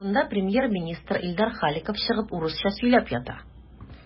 Шунда премьер-министр Илдар Халиков чыгып урысча сөйләп ята.